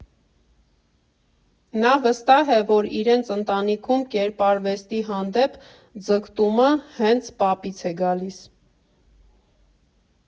Նա վստահ է, որ իրենց ընտանիքում կերպարվեստի հանդեպ ձգտումը հենց պապից է գալիս։